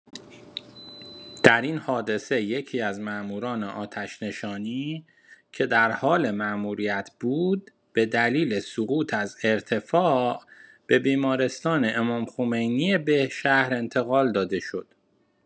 در این حادثه یکی‌از ماموران آتش‌نشانی که در حال ماموریت بود به دلیل سقوط از ارتفاع به بیمارستان امام‌خمینی بهشهر انتقال داده شد.